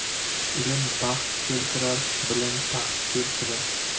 ilm baxt keltirar bilim taxt keltirar